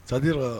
Sadira